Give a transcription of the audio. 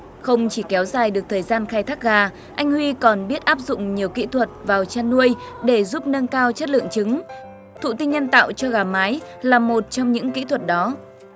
không chỉ kéo dài được thời gian khai thác gà anh huy còn biết áp dụng nhiều kỹ thuật vào chăn nuôi để giúp nâng cao chất lượng trứng thụ tinh nhân tạo cho gà mái là một trong những kỹ thuật đó